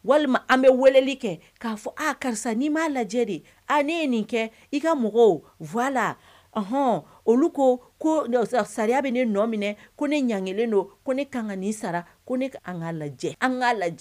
Walima an bɛ weleli kɛ k'a fɔ karisa nii m'a lajɛ de ne ye nin kɛ i ka mɔgɔwwala hɔn olu ko ko sariya bɛ ne nɔ minɛ ko ne ɲ kelen don ko ne ka' ka nin sara ko ne k ka ka lajɛ an ka lajɛ